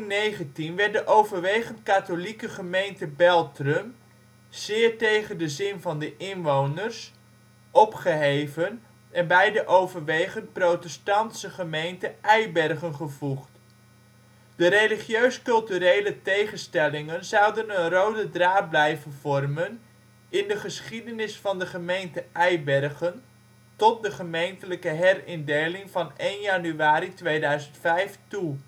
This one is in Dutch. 1819 werd de overwegend katholieke gemeente Beltrum, zeer tegen de zin van de inwoners, opgeheven en bij de overwegend protestantse gemeente Eibergen gevoegd. De religieus-culturele tegenstellingen zouden een rode draad blijven vormen in de geschiedenis van de gemeente Eibergen tot de gemeentelijke herindeling van 1 januari 2005 toe. De